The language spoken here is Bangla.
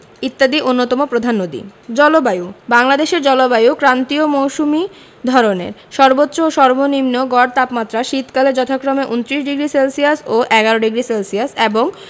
ইত্যাদি অন্যতম প্রধান নদী জলবায়ুঃ বাংলাদেশের জলবায়ু ক্রান্তীয় মৌসুমি ধরনের সর্বোচ্চ ও সর্বনিম্ন গড় তাপমাত্রা শীতকালে যথাক্রমে ২৯ ডিগ্রি সেলসিয়াস ও ১১ডিগ্রি সেলসিয়াস এবং